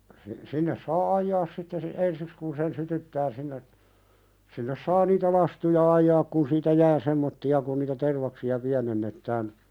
- sinne saa ajaa sitten - ensiksi kun sen sytyttää sinne sinne saa niitä lastuja ajaa kun siitä jää semmoisia kun niitä tervaksia pienennetään